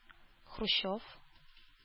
Хрущев